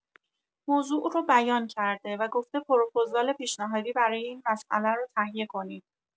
موضوع رو بیان کرده و گفته پروپوزال پیشنهادی برای این مسئله رو تهیه کنید.